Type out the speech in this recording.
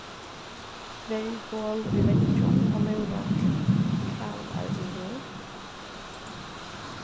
verj hol í veggjum og múrum til kaðlar og rør